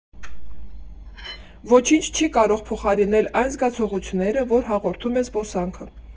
Ոչինչ չի կարող փոխարինել այն զգացողությունները, որ հաղորդում է զբոսանքը։